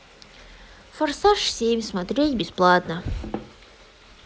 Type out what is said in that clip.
форсаж семь смотреть бесплатно